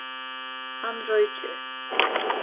hann roykir